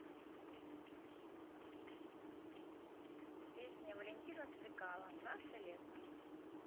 песня валентина стрыкало наше лето